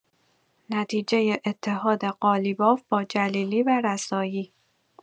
نتیجه اتحاد قالیباف با جلیلی و رسایی